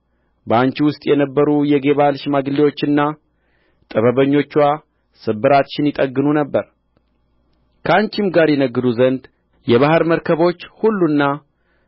በአንቺ ውስጥ የነበሩ የጌባል ሽማግሌዎችና ጥበበኞችዋ ስብራትሽን ይጠግኑ ነበር ከአንቺም ጋር ይነግዱ ዘንድ የባሕር መርከቦች ሁሉና